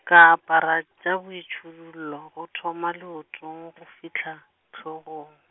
ka apara tša boitšhidullo, go thoma leotong, go fihla, hlogong.